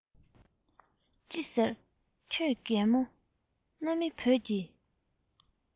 ཅི ཟེར ཁྱོད རྒན མོས གནའ མི བོད ཀྱི